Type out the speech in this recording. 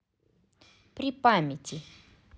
при памяти